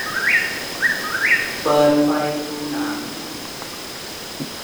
เปิดไฟดูหนัง